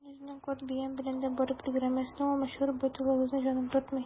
Мин үземнең карт биям белән дә барып өлгерәм, ә сезнең алмачуар байталыгызны җаным тартмый.